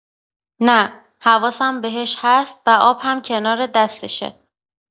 نه، حواسم بهش هست و آب هم کنار دستشه.